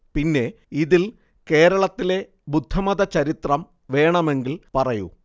പിന്നെ ഇതിൽ കേരളത്തിലെ ബുദ്ധമത ചരിത്രം വേണമെങ്കിൽ പറയൂ